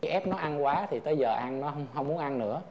ép nó ăn quá thì tới giờ ăn nó hông muốn ăn nữa